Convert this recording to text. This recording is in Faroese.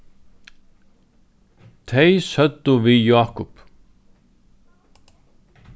tey søgdu við jákup